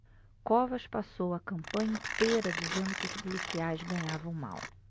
covas passou a campanha inteira dizendo que os policiais ganhavam mal